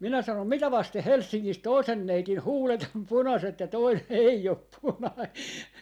minä sanoin mitä vasten Helsingissä toisen neidin huulet on punaiset ja toinen ei ole punainen